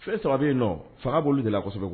Fɛn saba yen nɔ faga boli desɛbɛ